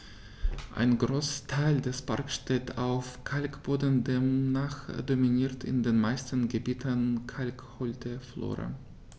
Ein Großteil des Parks steht auf Kalkboden, demnach dominiert in den meisten Gebieten kalkholde Flora.